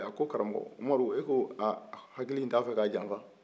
a ko karamɔgɔ umaru e ko a hakili in t'a fɛ k'a janfa